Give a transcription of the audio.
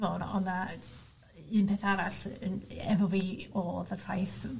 O' 'na o' 'na yy u- un peth arall yy yn efo fi o'dd y ffaith